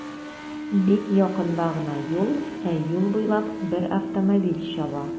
Бик якында гына юл, ә юл буйлап бер автомобиль чаба.